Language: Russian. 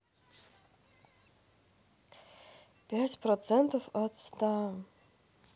пять процентов от ста